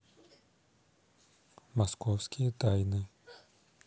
московские тайны